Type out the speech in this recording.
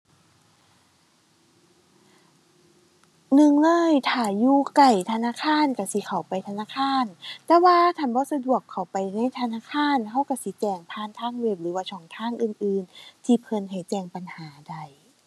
หนึ่งเลย ถ้าอยู่ใกล้ธนาคารก็สิเข้าไปธนาคาร แต่ว่าคันบ่สะดวกเข้าไปในธนาคาร ก็ก็สิแจ้งผ่านทางเว็บหรือว่าช่องทางอื่นอื่นที่เพิ่นให้แจ้งปัญหาได้